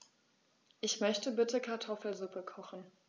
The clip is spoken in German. Ich möchte bitte Kartoffelsuppe kochen.